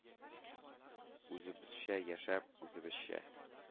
Үзебезчә яшәп, үзебезчә